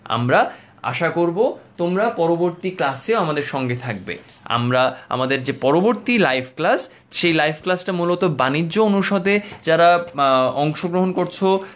আমরা আশা করব তোমরা পরবর্তী ক্লাসে ও আমাদের সঙ্গে থাকবে আমরা আমাদের যে পরবর্তী লাইভ ক্লাস সে লাইভ ক্লাস টা মূলত বাণিজ্য অনুষদের যারা অংশগ্রহণ করছো